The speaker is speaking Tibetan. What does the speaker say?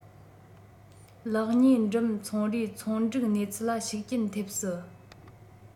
ལག ཉིས འགྲིམ ཚོང རའི ཚོང འགྲིག གནས ཚུལ ལ ཤུགས རྐྱེན ཐེབས སྲིད